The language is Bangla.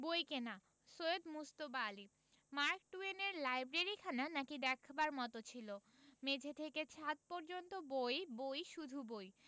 বইকেনা সৈয়দ মুজতবা আলী মার্ক টুয়েনের লাইব্রেরিখানা নাকি দেখবার মত ছিল মেঝে থেকে ছাত পর্যন্ত বই বই শুধু বই